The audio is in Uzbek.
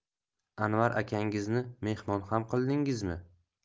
anvar akangizni mehmon ham qildingizmi